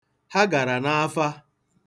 Ha gara n'afa.